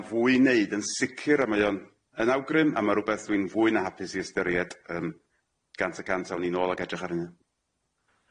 na fwy i neud yn sicir a mae o'n yn awgrym a ma' rwbeth dwi'n fwy na hapus i ystyried yym gant y cant awn ni nôl ag edrych arnyn nw.